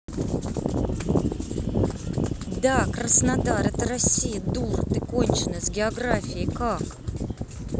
да краснодар это россия дура ты конченная с географией как